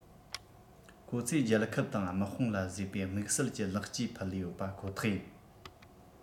ཁོ ཚོས རྒྱལ ཁབ དང དམག དཔུང ལ བཟོས པའི དམིགས བསལ གྱི ལེགས སྐྱེས ཕུལ ཡོད པ ཁོ ཐག ཡིན